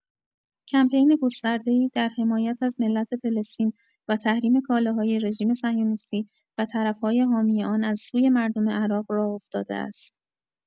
کمپین گسترده‌ای در حمایت از ملت فلسطین و تحریم کالاهای رژیم صهیونیستی و طرف‌های حامی آن از سوی مردم عراق راه افتاده است.